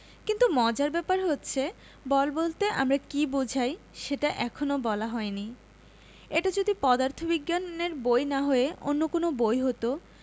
কিন্তু মজার ব্যাপার হচ্ছে বল বলতে আমরা কী বোঝাই সেটা এখনো বলা হয়নি এটা যদি পদার্থবিজ্ঞানের বই না হয়ে অন্য কোনো বই হতো